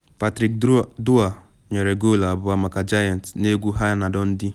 Patrick Dwyer nyere goolu abụọ maka Giants n’egwu ha na Dundee